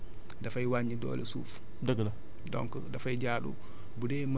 dafay nekk benn xeetu dégradation boo xamante ni dafay wàññi doole suuf